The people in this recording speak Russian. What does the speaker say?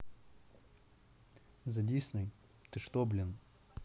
the disney ты что блин